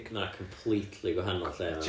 ma' hwnna *completely gwahanol lle fanna